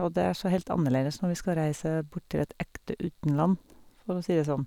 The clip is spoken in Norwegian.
Og det er så helt annerledes når vi skal reise bort til et ekte utenland, for å si det sånn.